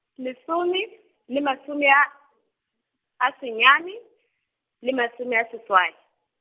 lesome le masome a, a senyane le masome a seswai.